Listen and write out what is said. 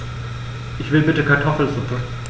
Ich will bitte Kartoffelsuppe.